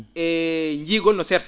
e njiigol no seerti